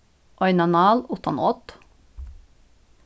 eina nál uttan odd